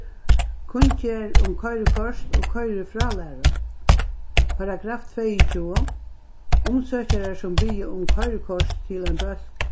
kunngerð um koyrikort og koyrifrálæru paragraf tveyogtjúgu umsøkjarar sum biðja um koyrikort til ein bólk